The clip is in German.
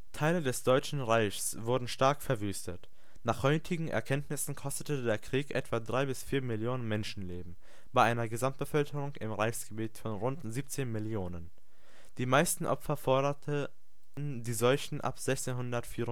Teile des deutschen Reichs wurden stark verwüstet. Nach heutigen Erkenntnissen kostete der Krieg etwa drei bis vier Millionen Menschenleben bei einer Gesamtbevölkerung im Reichsgebiet von rund 17 Millionen. Die meisten Opfer forderten die Seuchen ab 1634